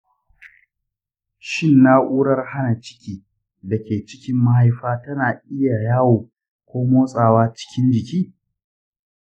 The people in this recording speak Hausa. shin na’urar hana ciki da ke cikin mahaifa tana iya yawo ko motsawa cikin jiki?